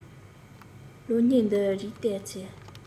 གློག བརྙན འདི རིགས བལྟས ཚེ